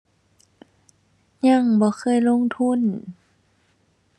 ยังบ่เคยลงทุน